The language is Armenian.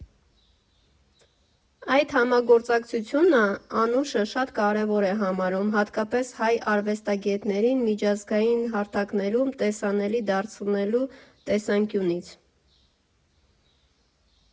Այդ համագործակցությունն Անուշը շատ կարևոր է համարում հատկապես հայ արվեստագետներին միջազգային հարթակներում տեսանելի դարձնելու տեսանկյունից։